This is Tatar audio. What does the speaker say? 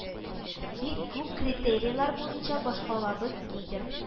Бик күп критерийлар буенча башкалабыз лидер